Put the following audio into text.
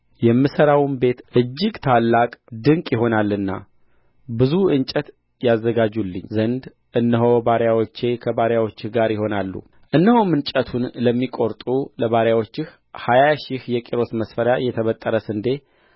የምሠራውም ቤት እጅግ ታላቅና ድንቅ ይሆናልና ብዙ እንጨት ያዘጋጁልኝ ዘንድ እነሆ ባሪያዎቼ ከባሪያዎችህ ጋር ይሆናሉ እነሆም እንጨቱን ለሚቈርጡ ለባሪያዎችህ